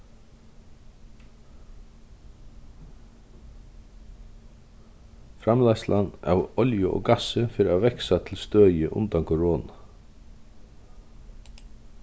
framleiðslan av olju og gassi fer at vaksa til støðið undan korona